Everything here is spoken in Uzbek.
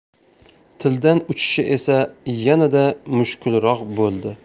tildan uchishi esa yanada mushkulroq bo'ldi